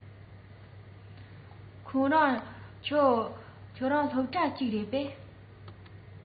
ཁོང དང ཁྱོད རང སློབ གྲྭ གཅིག རེད པས